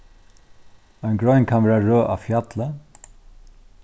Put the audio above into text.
ein grein kann vera røð á fjalli